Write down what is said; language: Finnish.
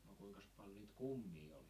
no kuinkas paljon niitä kummeja oli